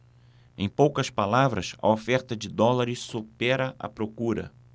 em poucas palavras a oferta de dólares supera a procura